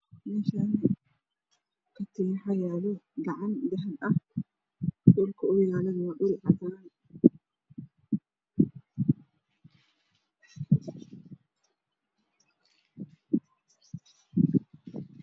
Meeshaan waxaa yaalo gacan dahabi ah dhulka uu yaalana waa cadaan.